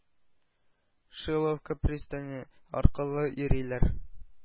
Шиловка пристане аркылы йөриләр,